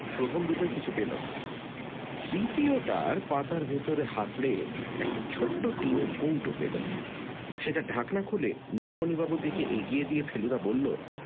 প্রথম দুটোয় কিছু পেল না তৃতীয়টার পাতার ভিতর হাতড়ে একটা ছোট্ট টিনের কৌটাে পেল সেটার ঢাকনা খুলে নীলমণিবাবুর দিকে এগিয়ে দিয়ে ফেলুদা বলল